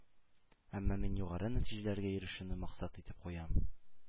Әмма мин югары нәтиҗәләргә ирешүне максат итеп куям.